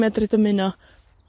medru dymuno